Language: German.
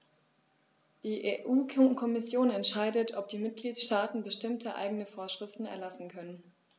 Die EU-Kommission entscheidet, ob die Mitgliedstaaten bestimmte eigene Vorschriften erlassen können.